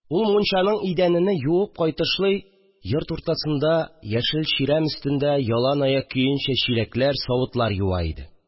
Ул мунчаның идәнене юып кайтышлый йорт уртасында, яшел чирәм өстендә, яланаяк көенчә чиләкләр, савытлар юа иде